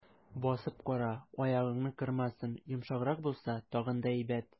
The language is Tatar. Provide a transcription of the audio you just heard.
Басып кара, аягыңны кырмасын, йомшаграк булса, тагын да әйбәт.